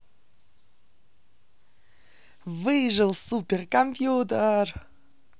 выжил супер компьютер